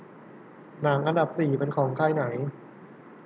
หนังอันดับสี่เป็นของค่ายไหน